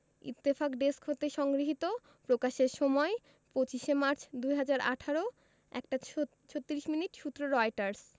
Ittefaq desk হতে সংগৃহীত প্রকাশের সময় ২৫মার্চ ২০১৮ ১ টা ছ ৩৬ মিনিট সূত্রঃ রয়টার্স